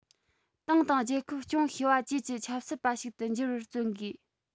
ཏང དང རྒྱལ ཁབ སྐྱོང ཤེས པ བཅས ཀྱི ཆབ སྲིད པ ཞིག ཏུ འགྱུར བར བརྩོན དགོས